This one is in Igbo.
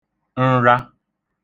nra